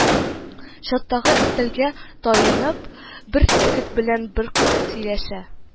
Чаттагы өстәлгә таянып, бер егет белән бер кыз сөйләшә